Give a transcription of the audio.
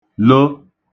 lo